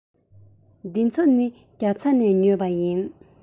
འདི ཚོ ནི རྒྱ ཚ ནས ཉོས པ ཡིན